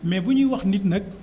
mais bu ñuy wax nit nag